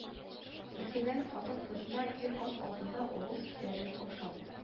Мөселман хатынкызына ир-ат алдында авыз күтәрелеп ашау